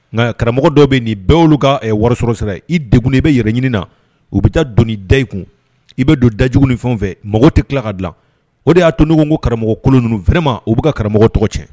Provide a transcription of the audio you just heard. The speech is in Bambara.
Nka karamɔgɔ dɔw bɛ nin bɛɛ olu ka wɔɔrɔ sɔrɔ sara i degugun i bɛ yɛrɛ ɲini na u bɛ taa don dayi kun i bɛ don da jugu ni fɛn fɛ mɔgɔw tɛ tila ka dila o de y'a to nɲɔgɔn ko karamɔgɔ kolo ninnu fɛrɛma u bɛ ka karamɔgɔ tɔgɔ cɛ